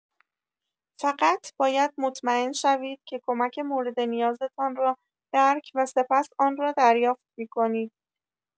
فقط باید مطمئن شوید که کمک موردنیازتان را درک و سپس آن را دریافت می‌کنید.